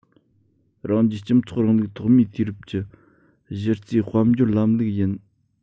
རང རྒྱལ སྤྱི ཚོགས རིང ལུགས ཐོག མའི དུས རིམ གྱི གཞི རྩའི དཔལ འབྱོར ལམ ལུགས ཡིན